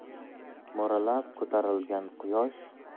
mo'ralab ko'tarilgan quyosh